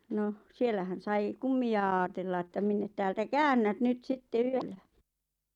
no siellähän sai kummia ajatella että minne täältä käännät nyt sitten yöllä